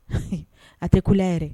A tɛ ku i la yɛrɛ.